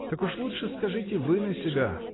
Так уж лучше скажите вы на себя.